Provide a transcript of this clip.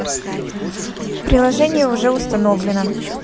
приложение уже установлено